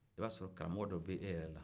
i b'a sɔrɔ karamɔgɔ dɔ bɛ e yɛrɛ la